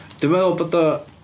Dwi'n meddwl bod o...